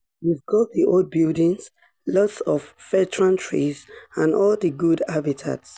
"We've got the old buildings, lots of veteran trees and all the good habitat.